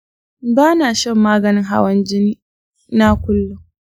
ba na shan maganin hawan jini na kullun.